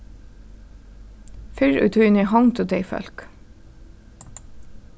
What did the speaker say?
fyrr í tíðini hongdu tey fólk